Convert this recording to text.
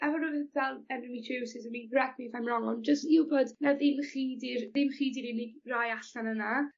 efo rywun ga'l endometriosis I mean correct mi if I'm wrong ond jys i wbod na dim 'ych chi 'di'r dim chdi 'di'r unig rai allan yna